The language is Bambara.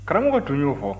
karamɔgɔ tun y'o fɔ